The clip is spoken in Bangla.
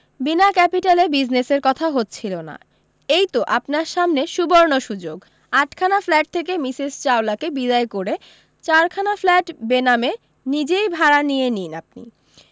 বিনা ক্যাপিটালে বিজনেসের কথা হচ্ছিল না এই তো আপনার সামনে সুবরণ সু্যোগ আটখানা ফ্ল্যাট থেকে মিসেস চাওলাকে বিদায় করে চারখানা ফ্ল্যাট বেনামে নিজই ভাড়া নিয়ে নিন আপনি